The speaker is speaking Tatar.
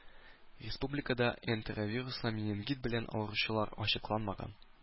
Республикада энтеровируслы менингит белән авыручылар ачыкланмаган.